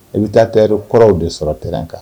I bɛ taa tailleurs kɔrɔw de sɔrɔ terrain kan.